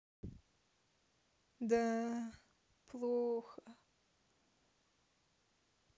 да плохо